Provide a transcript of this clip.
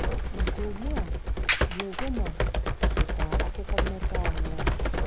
Maka ugbu a, Blogoma dị ka akwụkwọ mmekọ àhụ́.